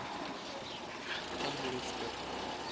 как беречь попу